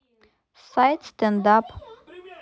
сайт стендап